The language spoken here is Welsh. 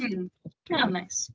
M-hm. Mae o yn neis.